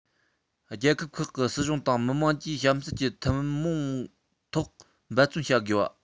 རྒྱལ ཁབ ཁག གི སྲིད གཞུང དང མི དམངས ཀྱིས གཤམ གསལ གྱི ཐད ཐུན མོང ཐོག འབད བརྩོན བྱ དགོས པ